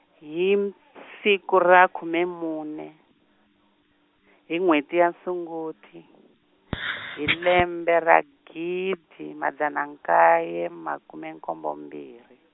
hi m- , siku ra khume mune, hi nwheti ya Sunguti , hi lembe ra gidi madzana nkaye makume nkombo mbirhi .